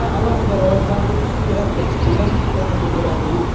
alohida rivojlantirish kerakdir degan fikrni bildiradi u